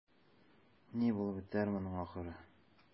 Ни булып бетәр моның ахыры?